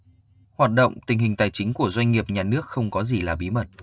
hoạt động tình hình tài chính của doanh nghiệp nhà nước không có gì là bí mật